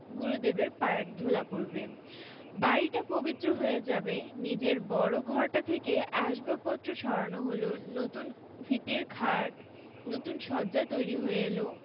গুরুদেবের পায়ের ধুলো পড়বে বাড়িটা পবিত্র হয়ে যাবে নীজের বড় ঘরটা থেকে আসবাবপত্র সরানো হলো নতুন ফিতের খাট নতুন শয্যা তৈরি হয়ে এলো